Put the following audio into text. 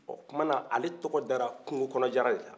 ɔɔ kumana ale tɔgɔdara kungokɔnɔ jara de la